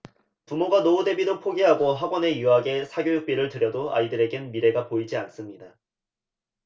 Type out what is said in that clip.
부모가 노후대비도 포기하고 학원에 유학에 사교육비를 들여도 아이들에겐 미래가 보이지 않습니다